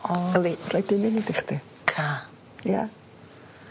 O. Yli raid 'di mynd i chdi. Ca. Ia?